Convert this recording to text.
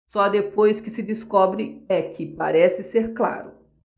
só depois que se descobre é que parece ser claro